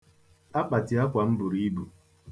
Akpati akwa m buru ibu.